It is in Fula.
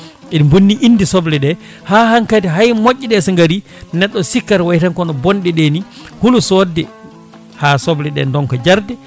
eɗe bonni inde sobleɗe ha hankkadi hay moƴƴeɗe so gaari neɗɗo o sikkata wayi tan kono bonɗeɗe ni huula sodde ha sobleɗe donka jarde